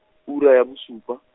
ura ya bosupa.